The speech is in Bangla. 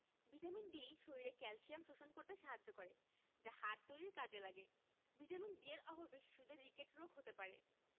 ভিটামিন D শরীরে ক্যালসিয়াম শোষণ করতে সাহায্য করে যা হাড় তৈরীর কাজে লাগে ভিটামিন D এর অভাবে শিশুদের রিকেট রোগ হতে পারে